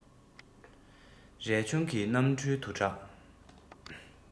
རས ཆུང གི རྣམ སྤྲུལ དུ གྲགས